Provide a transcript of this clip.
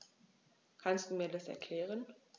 Kannst du mir das erklären?